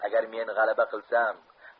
agar men g'alaba qilsam